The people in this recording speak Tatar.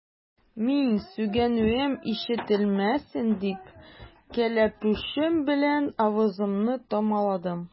Мин, сүгенүем ишетелмәсен дип, кәләпүшем белән авызымны томаладым.